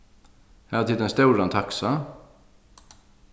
hava tit ein stóran taxa